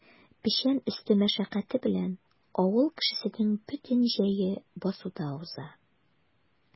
Печән өсте мәшәкате белән авыл кешесенең бөтен җәе басуда уза.